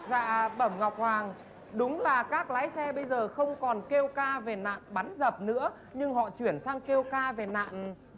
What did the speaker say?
dạ bẩm ngọc hoàng đúng là các lái xe bây giờ không còn kêu ca về nạn bắn dập nữa nhưng họ chuyển sang kêu ca về nạn